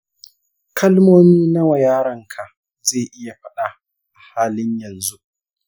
kalmomi nawa yaronka zai iya faɗa a halin yanzu?